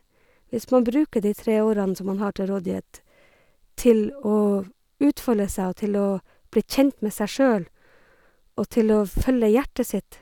Hvis man bruker de tre årene som man har til rådighet til å utfolde seg og til å bli kjent med seg sjøl og til å følge hjertet sitt.